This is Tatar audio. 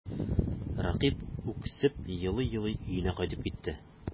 Рәкыйп үксеп елый-елый өенә кайтып китте.